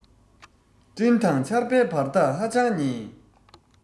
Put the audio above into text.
སྤྲིན དང ཆར བའི བར ཐག ཧ ཅང ཉེ